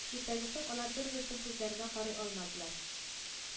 Иртәгәсен алар бер-берсе күзләренә карый алмадылар